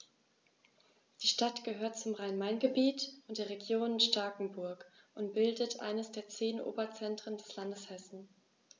Die Stadt gehört zum Rhein-Main-Gebiet und der Region Starkenburg und bildet eines der zehn Oberzentren des Landes Hessen.